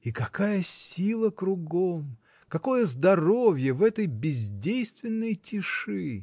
И какая сила кругом, какое здоровье в этой бездейственной тиши!